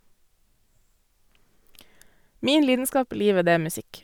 Min lidenskap i livet, det er musikk.